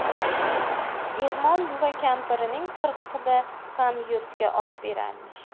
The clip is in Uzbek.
ermon buva kampirining qirqida ham yurtga osh berarmish